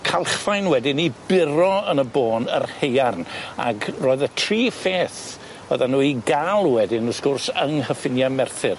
calchfaen wedyn i buro yn y bôn yr haearn ag roedd y tri pheth o'ddan nw i ga'l wedyn wrth gwrs yng nghyffinie Merthyr.